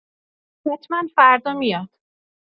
حتما فردا میاد.